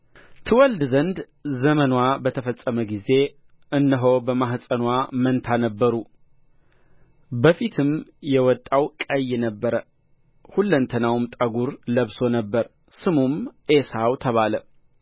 ትወልድ ዘንድ ዘመንዋ በተፈጸመ ጊዜም እነሆ በማኅፀንዋ መንታ ነበሩ በፊትም የወጣው ቀይ ነበረ ሁለንተናውም ጠጕር ለብሶ ነበር ስሙም ዔሳው ተባለ